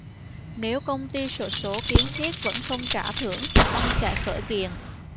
nếu công ty xổ số kiến thiết vẫn không trả thưởng ông sẽ khởi kiện